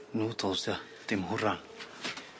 Nwdls 'di o, dim hwran.